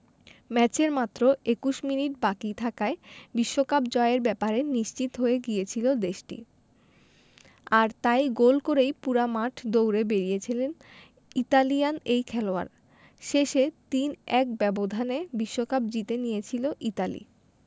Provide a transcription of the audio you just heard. ম্যাচের মাত্র ২১ মিনিট বাকি থাকায় বিশ্বকাপ জয়ের ব্যাপারে নিশ্চিত হয়ে গিয়েছিল দেশটি আর তাই গোল করেই পুরো মাঠ দৌড়ে বেড়িয়েছিলেন ইতালিয়ান এই খেলোয়াড় শেষে ৩ ১ ব্যবধানে বিশ্বকাপ জিতে নিয়েছিল ইতালি